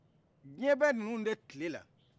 jiɲɛ bɛ nunun de tilela